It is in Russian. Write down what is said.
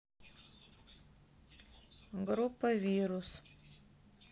группа вирус